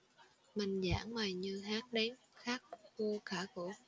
mình giảng mà như hét đến khát khô cả cổ